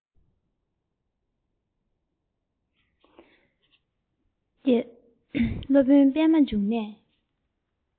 སློབ དཔོན པད མ འབྱུང ནས